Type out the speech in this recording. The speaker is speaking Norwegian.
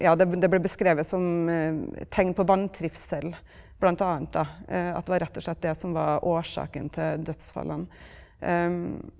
ja det det ble beskrevet som tegn på vantrivsel bl.a. da at det var rett og slett var det som var årsaken til dødsfallene .